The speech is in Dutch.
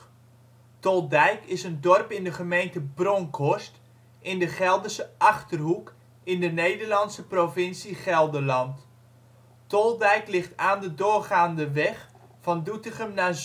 Toldiek ') is een dorp in de gemeente Bronckhorst, in de Gelderse Achterhoek, in de Nederlandse provincie Gelderland. Toldijk ligt aan de doorgaande weg van Doetinchem naar